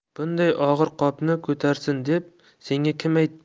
bunday og'ir qopni ko'tarsin deb senga kim aytdi